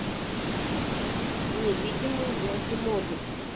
невидимые блоки мод